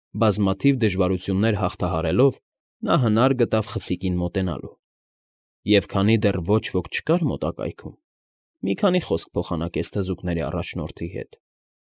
Բազմաթիվ դժվարություններ հաղթահարելով՝ նա հնար գտավ խցիկին մոտենալու և, քանի դեռ ոչ ոք չկար մոտակայքում, մի քանի խոսք փոխանակեց թզուկների առաջնորդի հետ։